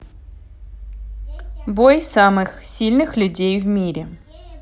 бой самых сильных людей в мире